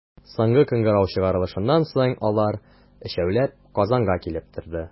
Соңгы кыңгырау чыгарылышыннан соң, алар, өчәүләп, Казанга килеп торды.